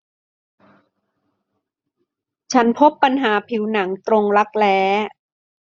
ฉันพบปัญหาผิวหนังตรงรักแร้